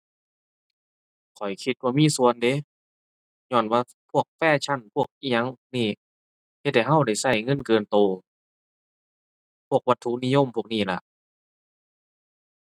ข้อยคิดว่ามีส่วนเดะ ญ้อนว่าพวกแฟชั่น พวกอิหยังนี่ เฮ็ดให้เราได้เราเงินเกินเรา พวกวัตถุนิยมพวกนี้ล่ะ